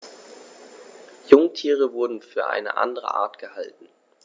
Jungtiere wurden für eine andere Art gehalten.